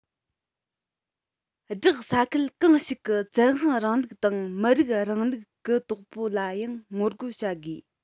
སྦྲགས ས ཁུལ གང ཞིག གི བཙན དབང རིང ལུགས དང མི རིགས རིང ལུགས གུ དོག པོ ལའང ངོ རྒོལ བྱ དགོས